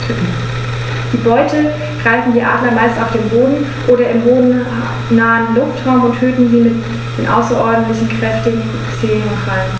Die Beute greifen die Adler meist auf dem Boden oder im bodennahen Luftraum und töten sie mit den außerordentlich kräftigen Zehen und Krallen.